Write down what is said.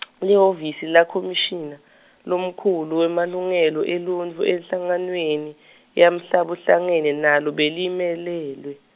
o- lihhovisi lakhomishina, lomkhulu wemalungelo eluntfu enhlanganweni, yamhlabuhlangene nalo belimelelwe.